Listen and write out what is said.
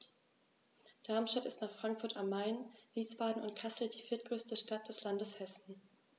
Darmstadt ist nach Frankfurt am Main, Wiesbaden und Kassel die viertgrößte Stadt des Landes Hessen